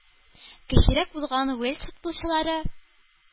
Кечерәк булган уэльс футболчылары